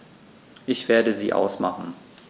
Ich werde sie ausmachen.